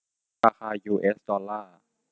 ราคายูเอสดอลล่าร์